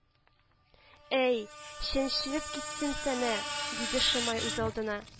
– әй, чәнчелеп китсенсәнә! – диде шимай үзалдына